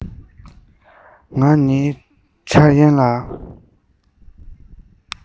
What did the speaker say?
ང ཡང འཆར ཡན ལ